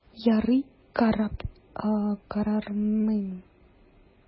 Ярый, карап карармын...